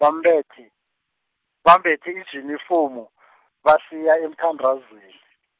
bambethe, bambethe ijinifomu , basiya emthandazweni.